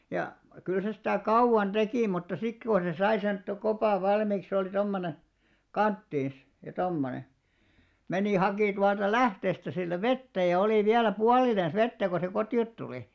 ja kyllä se sitä kauan teki mutta sitten kun se sai sen - kopan valmiiksi se oli tuommoinen kanttiinsa ja tuommoinen meni haki tuolta lähteestä sillä vettä ja oli vielä puolinensa vettä kun se kotiin tuli